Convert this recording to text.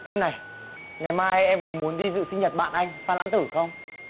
em này ngày mai em có muốn đi dự sinh nhật bạn anh phan lãng tử không